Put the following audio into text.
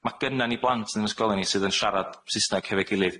Ma' gynnan ni blant yn 'yn ysgolion ni sydd yn siarad Susnag hefo'i gilydd,